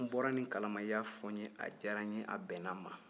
n bɔra nin kalama i y'a fɔ n ye a diyara n ye a bɛn na n ma